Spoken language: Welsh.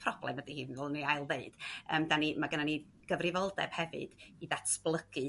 problem ydi hi mi ddylwn i ail ddeud amdani ma' gyno ni gyfrifoldeb hefyd i ddatblygu